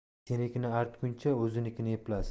senikini artguncha o'zinikini eplasin